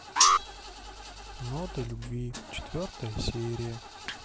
ноты любви четвертая серия